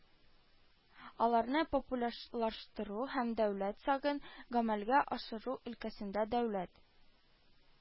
Аларны популярлаштыру һәм дәүләт сагын гамәлгә ашыру өлкәсендә дәүләт